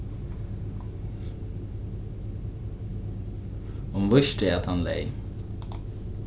hon vísti at hann leyg